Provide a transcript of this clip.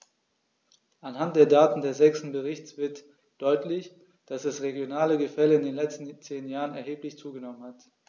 Anhand der Daten des sechsten Berichts wird deutlich, dass das regionale Gefälle in den letzten zehn Jahren erheblich zugenommen hat.